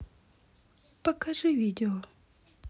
покажи видео